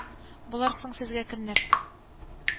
Болар соң сезгә кемнәр